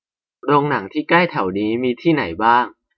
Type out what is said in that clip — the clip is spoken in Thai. โรงหนังที่ใกล้แถวนี้มีที่ไหนบ้าง